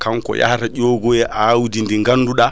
kanko yahata ƴogoya awdi ndi ganduɗa